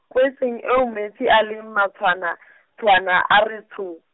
kweetseng eo metsi a le matshwana , tshwana a re tsho.